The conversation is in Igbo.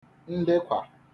ndekwà